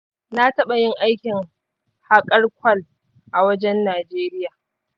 na taɓa yin aikin haƙar kwal a wajen najeriya.